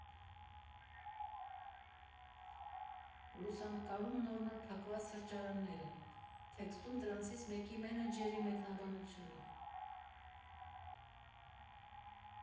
Լուսանկարում նոր֊նոր փակված սրճարաններն են, տեքստում՝ դրանցից մեկի մենեջերի մեկնաբանությունը։